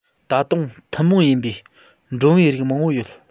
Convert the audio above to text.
ད དུང ཐུན མོང ཡིན པའི འགྲོན བུའི རིགས མང པོ ཡོད